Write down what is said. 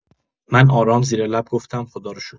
من آرام زیر لب گفتم خدا را شکر.